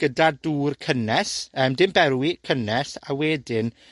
gyda dŵr cynnes, yym, dim berwi, cynnes. A wedyn